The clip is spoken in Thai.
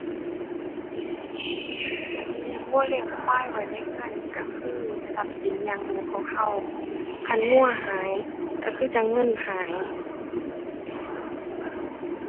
การเลี้ยงวัวเลี้ยงควายไว้ในวัวนี่วัวคือทรัพย์สินอย่างหนึ่งของวัว คันวัวขายวัวคือจั่งเงินหาย